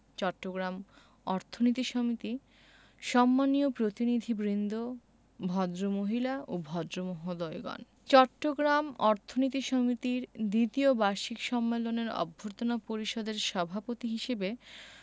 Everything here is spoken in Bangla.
চট্টগ্রাম অর্থনীতি সমিতি সম্মানীয় প্রতিনিধিবৃন্দ ভদ্রমহিলা ও ভদ্রমহোদয়গণ চট্টগ্রাম অর্থনীতি সমিতির দ্বিতীয় বার্ষিক সম্মেলনের অভ্যর্থনা পরিষদের সভাপতি হিসেবে